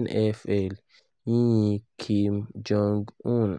N.F.L.,yinyin Kim Jong-un).